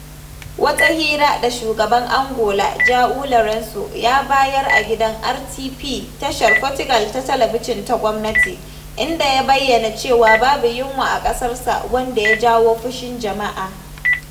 Wata hira da Shugaban Angola João Lourenço ya bayar a gidan RTP, tashar Portugal ta talabijin ta gwamnati, inda ya bayyana cewa babu yunwa a ƙasarsa, wanda ya jawo fushin jama’a.